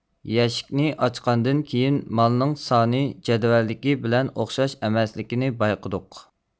يەشىكنى ئاچقاندىن كېيىن مالنىڭ سانى جەدۋەلدىكى بىلەن ئوخشاش ئەمەسلىكىنى بايقىدۇق